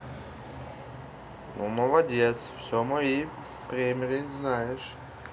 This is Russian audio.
ну молодец все мои примеры знаешь